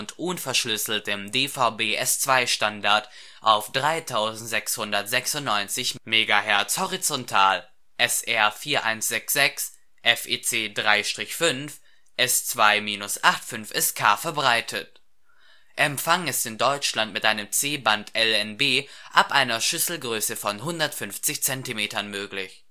unverschlüsselt im DVB-S2-Standard auf 3696 MHz horizontal, SR 4166, FEC 3/5, S2-8PSK verbreitet. Empfang ist in Deutschland mit einem C-Band LNB ab einer Schüsselgröße von 150 cm möglich